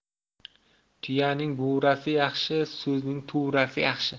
tuyaning buvrasi yaxshi so'zning tuvrasi yaxshi